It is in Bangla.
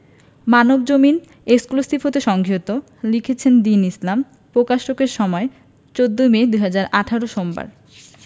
মানবজমিন এক্সক্লুসিভ হতে সংগৃহীত লিখেছেনঃ দীন ইসলাম প্রকাশের সময় ১৪ মে ২০১৮ সোমবার